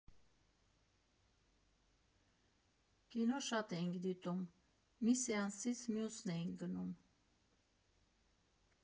Կինո շատ էինք դիտում՝ մի սեանսից մյուսն էինք գնում։